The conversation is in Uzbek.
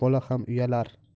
bola ham uyalar